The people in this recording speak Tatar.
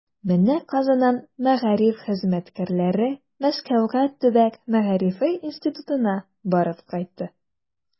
Менә Казаннан мәгариф хезмәткәрләре Мәскәүгә Төбәк мәгарифе институтына барып кайтты.